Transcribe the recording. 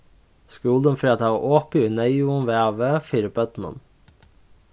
skúlin fer at hava opið í neyðugum vavi fyri børnum